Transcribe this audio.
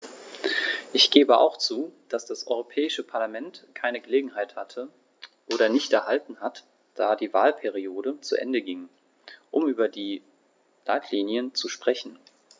Ich gebe auch zu, dass das Europäische Parlament keine Gelegenheit hatte - oder nicht erhalten hat, da die Wahlperiode zu Ende ging -, um über die Leitlinien zu sprechen.